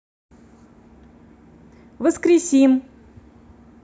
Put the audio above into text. воскресим